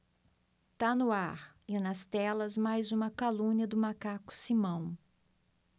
tá no ar e nas telas mais uma calúnia do macaco simão